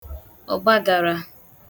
ọ̀gbàgàrà